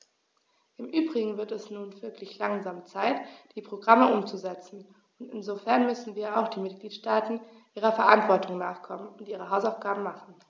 Im übrigen wird es nun wirklich langsam Zeit, die Programme umzusetzen, und insofern müssen auch die Mitgliedstaaten ihrer Verantwortung nachkommen und ihre Hausaufgaben machen.